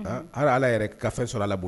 Aa ha ala yɛrɛ kafe sɔrɔ la bolo